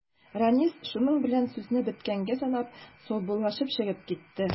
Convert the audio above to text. Рәнис, шуның белән сүзне беткәнгә санап, саубуллашып чыгып китте.